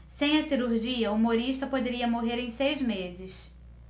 sem a cirurgia humorista poderia morrer em seis meses